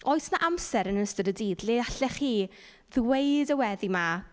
Oes 'na amser yn ystod y dydd le allech chi ddweud y weddi 'ma.